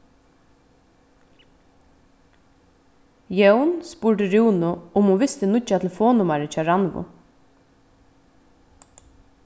jón spurdi rúnu um hon visti nýggja telefonnummarið hjá rannvá